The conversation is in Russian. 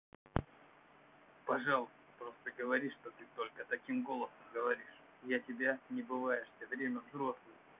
пожалуйста просто говори что ты только таким голосом говоришь я тебя не бываешься время взрослой